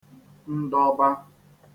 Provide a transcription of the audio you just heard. ndọba